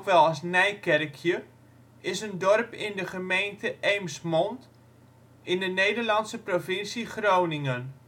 als Nijkerkje, is een dorp in de gemeente Eemsmond in de Nederlandse provincie Groningen